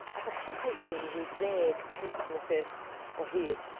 a 'dach ch'isio coesyn ryw ddeg centimedr o hyd.